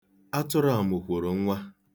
Atụrụ a mụkworo nwa.